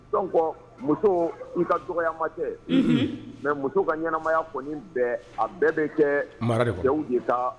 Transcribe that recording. Dɔn kɔ muso i ka dɔgɔ ma cɛ mɛ muso ka ɲɛnaɛnɛmaya kɔni bɛɛ a bɛɛ bɛ kɛ mara de taa